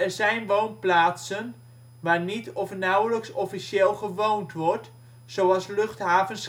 zijn ' woonplaatsen ', waar niet (of nauwelijks) (officieel) gewoond wordt, zoals Luchthaven